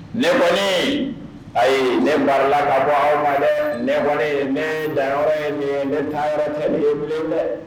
Ne kɔni, ayi ne barila ka bɔ aw ma dɛ ne kɔni ne danyɔrɔ ye nin ye ne taayɔrɔ tɛ nin ye bilen dɛ